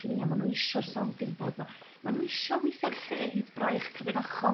ffinia' ma' nhw isio'r sounding board 'na. Ma nhw isio w'ithia'r lle hyd braich cyfrinachol